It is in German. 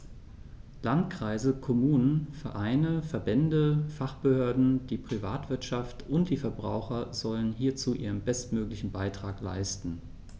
Landkreise, Kommunen, Vereine, Verbände, Fachbehörden, die Privatwirtschaft und die Verbraucher sollen hierzu ihren bestmöglichen Beitrag leisten.